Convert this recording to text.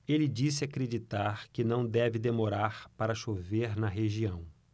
ele disse acreditar que não deve demorar para chover na região